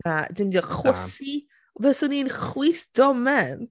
Na, dim diolch... na ...chwysu. Fyswn i'n chwys domen.